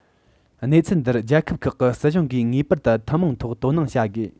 གནས ཚུལ འདིར རྒྱལ ཁབ ཁག གི སྲིད གཞུང གིས ངེས པར དུ ཐུན མོང ཐོག དོ སྣང བྱ དགོས